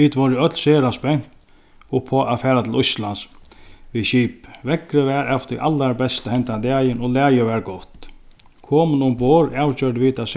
vit vóru øll sera spent upp á at fara til íslands við skipi veðrið var av tí allarbesta hendan dagin og lagið var gott komin umborð avgjørdu vit at